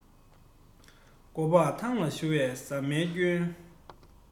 མགོ སྤགས ཐང ལ བཤུ བ ཟ མའི སྐྱོན